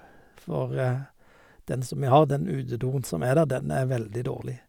For den som vi har, den utedoen som er der, den er veldig dårlig.